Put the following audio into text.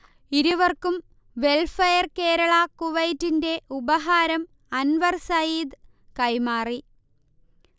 ഇരുവർക്കും വെൽഫെയർ കേരള കുവൈറ്റിന്റെ ഉപഹാരം അൻവർ സയീദ് കൈമാറി